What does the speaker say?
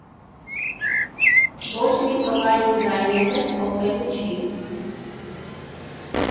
Ոչ մի թվային ձայնի հետ փոխելու չի»։